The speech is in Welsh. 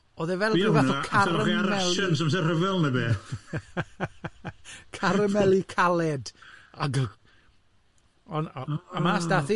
Oedd e fel rhyw fath o carameli... Carameli caled, a mas ddaeth hi.